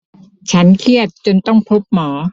ฉันเครียดจนต้องพบหมอ